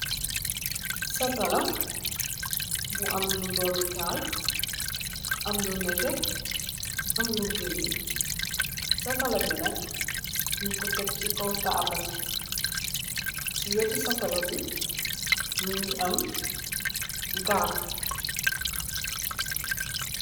Satalah bu am lu dumi tahal am lu neteh am ku green setalah bi nak nyung ku tek si kaaw tabal si weti satalah bi munge am garap